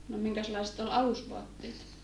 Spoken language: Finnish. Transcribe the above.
no minkäslaiset oli alusvaatteet